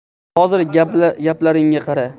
mana hozirgi gaplaringni qara